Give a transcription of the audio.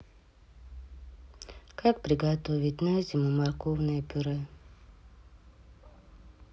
как приготовить на зиму морковное пюре